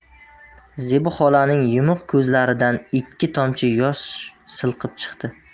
zebi xolaning yumuq ko'zlaridan ikki tomchi yosh silqib chiqdi